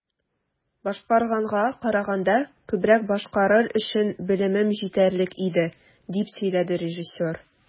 "башкарганга караганда күбрәк башкарыр өчен белемем җитәрлек иде", - дип сөйләде режиссер.